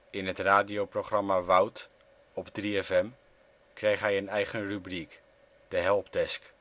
In het radioprogramma Wout! op 3FM kreeg hij een eigen rubriek; De Helpdesk